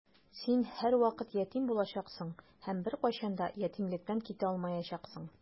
Син һәрвакыт ятим булачаксың һәм беркайчан да ятимлектән китә алмаячаксың.